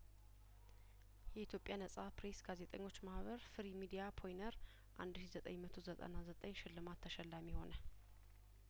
የኢትዮጵያ ነጻ ፐሬ ስጋዜጠኞች ማህበር ፍሪ ሚዲያፖ ይነር አንድ ሺ ዘጠኝ መቶ ዘጠና ዘጠኝ ሽልማት ተሸላሚ ሆነ